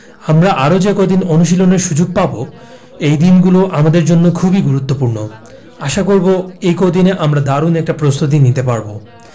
আমরা আরও যে কদিন অনুশীলনের সুযোগ পাব এই দিনগুলো আমাদের জন্য খুবই গুরুত্বপূর্ণ আশা করব এই কদিনে আমরা দারুণ একটা প্রস্তুতি নিতে পারব